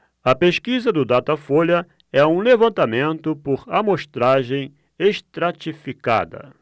a pesquisa do datafolha é um levantamento por amostragem estratificada